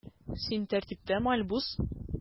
Син тәртиптәме, Альбус?